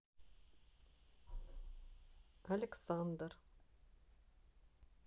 александр